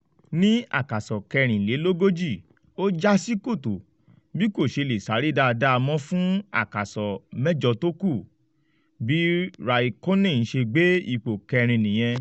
Ní àkàsọ̀ 44, ó jásí kòtò. Bí kò ṣe lè sáré dáadáa mọ́ fún àkàsọ 8 tó kù. Bí Raikkonen se gbé ipò kẹrin nìyẹn.